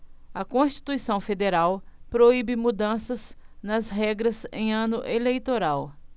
a constituição federal proíbe mudanças nas regras em ano eleitoral